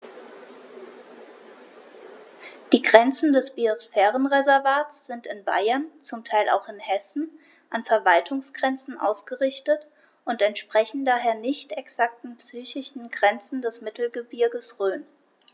Die Grenzen des Biosphärenreservates sind in Bayern, zum Teil auch in Hessen, an Verwaltungsgrenzen ausgerichtet und entsprechen daher nicht exakten physischen Grenzen des Mittelgebirges Rhön.